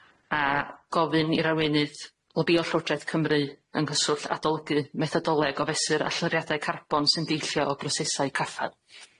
a gofyn i'r arweinydd lobio K=Llywodraeth Cymru yng nghyswllt adolygu methodoleg o fesur allyriadau carbon sy'n deillio o brosesau caffael.